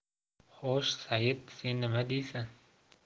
xo'sh seit sen nima deysan